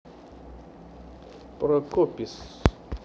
прокопис